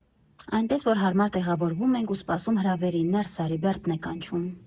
Այնպես որ հարմար տեղավորվում ենք ու սպասում հրավերին՝ «Նե՛րս արի», Բերդն է կանչում։